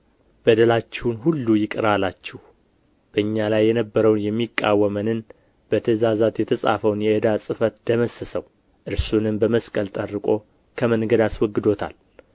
በበደላችሁና ሥጋችሁን ባለመገረዝ ሙታን በሆናችሁ ጊዜ ከእርሱ ጋር ሕይወትን ሰጣችሁ በደላችሁን ሁሉ ይቅር አላችሁ በእኛ ላይ የነበረውን የሚቃወመንንም በትእዛዛት የተጻፈውን የዕዳ ጽሕፈት ደመሰሰው እርሱንም በመስቀል ጠርቆ ከመንገድ አስወግዶታል